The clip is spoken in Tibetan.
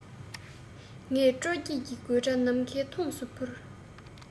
ངས སྤྲོ སྐྱིད ཀྱི དགོད སྒྲ ནམ མཁའི མཐོངས སུ སྤུར